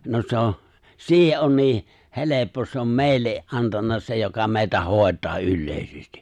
no se on siihen on niin helppo se on meille antanut se joka meitä hoitaa yleisesti